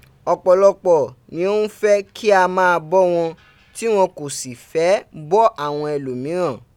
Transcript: opolopo ni o n fe ki a maa bo won, ti won ko si fe boa won elomiran.